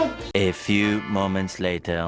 ẹp phiu mao mừn sờ lây đao